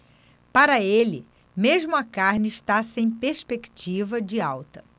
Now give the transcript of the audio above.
para ele mesmo a carne está sem perspectiva de alta